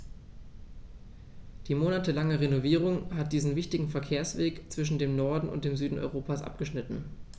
Die monatelange Renovierung hat diesen wichtigen Verkehrsweg zwischen dem Norden und dem Süden Europas abgeschnitten.